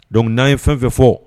Don naanian ye fɛn fɛ fɔ